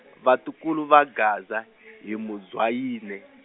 vatukulu va ka Gaza , hi Muzwayine.